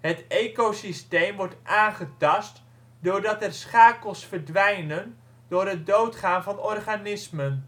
Het ecosysteem wordt aangetast doordat er schakels verdwijnen door het doodgaan van organismen